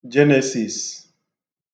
Jenesis